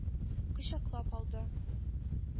Кочаклап алды.